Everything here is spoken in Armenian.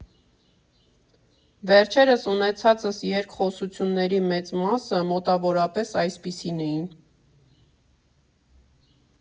Վերջերս ունեցածս երկխոսությունների մեծ մասը մոտավորապես այսպիսին էին.